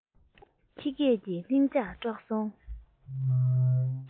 ཁྱི སྐད ཀྱིས ལྷིང འཇགས དཀྲོགས སོང